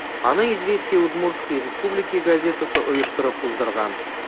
Аны «Известия Удмуртсткой Республики» газетасы оештырып уздырган.